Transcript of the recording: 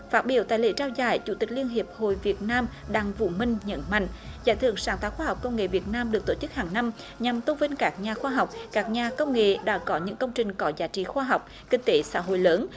phát biểu tại lễ trao giải chủ tịch liên hiệp hội việt nam đặng vũ minh nhấn mạnh giải thưởng sáng tạo khoa học công nghệ việt nam được tổ chức hằng năm nhằm tôn vinh các nhà khoa học các nhà công nghệ đã có những công trình có giá trị khoa học kinh tế xã hội lớn